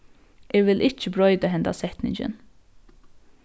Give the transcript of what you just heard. eg vil ikki broyta hendan setningin